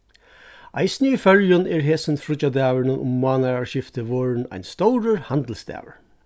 eisini í føroyum er hesin fríggjadagurin um mánaðarskiftið vorðin ein stórur handilsdagur